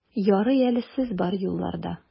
Ярый әле сез бар юлларда!